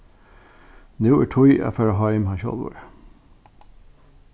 nú er tíð at fara heim hann sjálvur